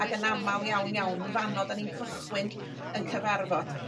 Ag yn amal iawn iawn fano 'dyn ni'n cychwyn 'yn cyfarfod.